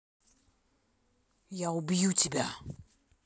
я убью тебя